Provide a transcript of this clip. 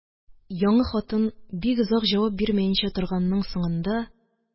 Яңы хатын бик озак җавап бирмәенчә торганның соңында